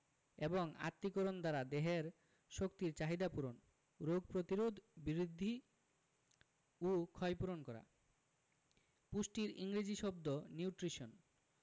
এবং আত্তীকরণ দ্বারা দেহের শক্তির চাহিদা পূরণ রোগ প্রতিরোধ বৃদ্ধি ও ক্ষয়পূরণ করা পুষ্টির ইংরেজি শব্দ নিউট্রিশন